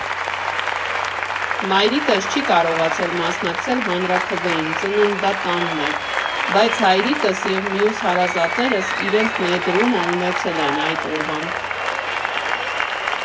Մայրիկս չի կարողացել մասնակցել հանրաքվեին՝ ծննդատանն էր, բայց հայրիկս և մյուս հարազատներս իրենց ներդրումն ունեցել են այդ օրվան։